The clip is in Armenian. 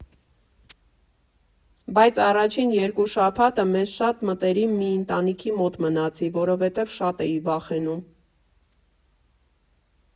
Բայց առաջին երկու շաբաթը մեզ շատ մտերիմ մի ընտանիքի մոտ մնացի, որովհետև շատ էի վախենում։